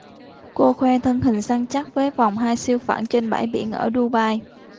cô khoe thân hình săn chắc với vòng hai siêu phẳng trên bãi biển ở dubai